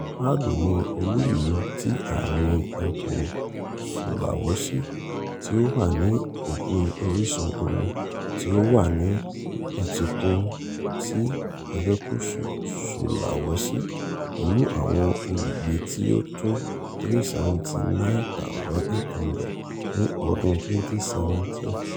Palu ni olú-ìlú ti Àárín ẹkùn Sulawesi, tí ó wà ní òpin orísun omi tí ó wà ni etíkun ti erekuṣu Sulawesi, pẹ̀lú àwọn olùgbé tí ó to 379,800 ní ọdún 2017.